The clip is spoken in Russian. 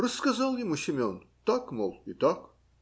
Рассказал ему Семен: так, мол, и так.